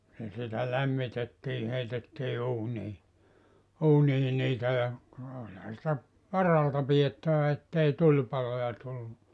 ja sitä lämmitettiin heitettiin uuniin uuniin niitä ja no olihan sitä varalta pidettävä että ei tulipaloja tullut